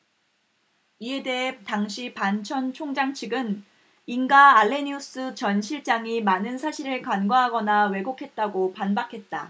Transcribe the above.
이에 대해 당시 반 전 총장 측은 잉가 알레니우스 전 실장이 많은 사실을 간과하거나 왜곡했다고 반박했다